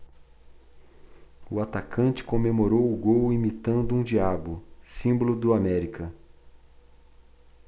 o atacante comemorou o gol imitando um diabo símbolo do américa